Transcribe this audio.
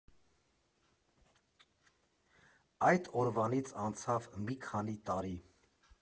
Այդ օրվանից անցավ մի քանի տարի։